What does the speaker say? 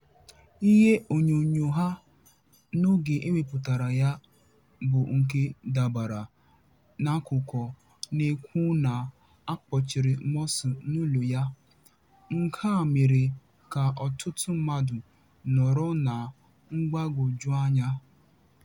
Ihe onyonyo a, na oge ewepụtara ya bụ nke dabara n'akụkọ na-ekwu na akpọchiri Morsi n'ụlọ ya, nke a mere ka ọtụtụ mmadụ nọrọ na mgbagwoju anya.